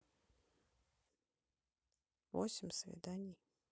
восемь свиданий